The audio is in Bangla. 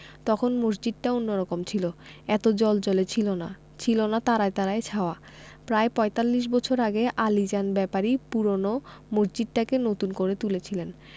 তখন মসজিদটা অন্যরকম ছিল এত জ্বলজ্বলে ছিল না ছিলনা তারায় তারায় ছাওয়া প্রায় পঁয়তাল্লিশ বছর আগে আলীজান ব্যাপারী পূরোনো মসজিদটাকে নতুন করে তুলেছিলেন